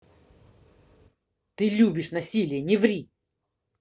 ты любишь насилия не ври